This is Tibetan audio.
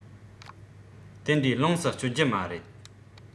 དེ འདྲའི ལོངས སུ སྤྱོད རྒྱུ མ རེད